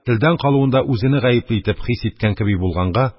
Телдән калуында үзене гаепле итеп хис иткән кеби булганга